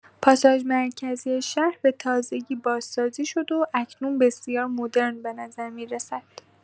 پاساژ مرکزی شهر به‌تازگی بازسازی شده و اکنون بسیار مدرن به نظر می‌رسد.